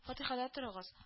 Фатихада торыгыз